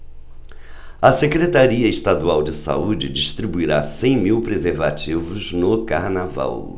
a secretaria estadual de saúde distribuirá cem mil preservativos no carnaval